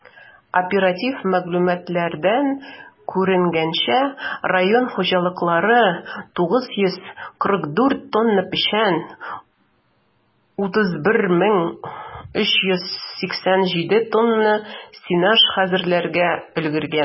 Оператив мәгълүматлардан күренгәнчә, район хуҗалыклары 943 тонна печән, 31368 тонна сенаж хәзерләргә өлгергән.